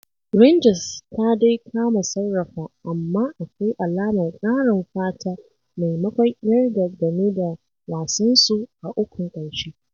Rangers ta dai kama sarrafa amma akwai alamar ƙarin fata maimakon yarda game da wasansu a ukun ƙarshe.